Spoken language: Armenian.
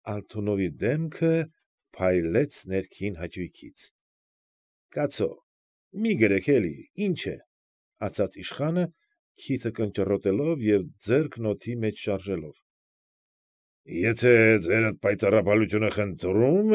Ալթունովի դեմքը փայլեց ներքին հաճույքից։ ֊ Կացո՛, մի գրեք էլի, ի՞նչ է,֊ ասաց իշխանը, քիթը կնճռոտելով և ձեռքն օդի մեջ շարժելով։ ֊ Եթե ձերդ պայծառափայլությունը խնդրում։